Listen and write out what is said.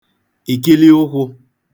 ikìlì ụkwụ̄